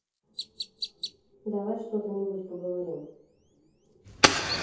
давай что то нибудь поговорим